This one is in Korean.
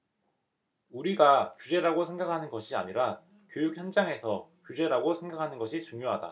우리가 규제라고 생각하는 것이 아니라 교육 현장에서 규제라고 생각하는 것이 중요하다